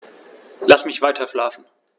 Lass mich weiterschlafen.